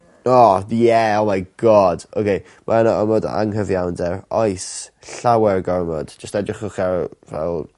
O ie like God okay. Ma' 'na ormod o anghyfiawnder oes. Llawer gormod. Jyst edrychwch ar fel